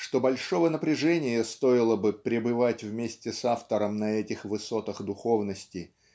что большого напряжения стоило бы пребывать вместе с автором на этих высотах духовности